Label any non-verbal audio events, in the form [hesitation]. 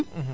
[hesitation] [hesitation]